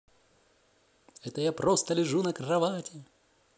это я просто лежу на кровати